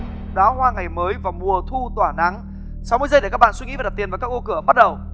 đóa hoa ngày mới và mùa thu tỏa nắng sáu mươi giây để các bạn suy nghĩ và đặt tiền vào các ô cửa bắt đầu